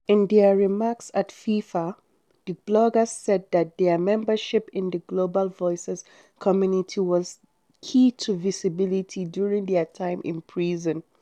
In their remarks at FIFA, the bloggers said that their membership in the Global Voices community was key to visibility during their time in prison.